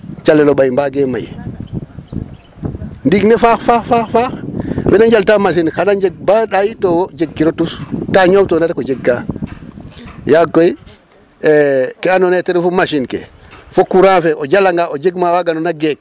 Calel o ɓay mbaagee may ndiig ne faax faax we na njaltaa machine xan a njeg ba ɗay to jegkiro tus ka ñoowtoona rek o jegka yaag koy e% ke andoona yee ten refu machine ke fo courant fe a jalanga o jeg ma waagoona gek .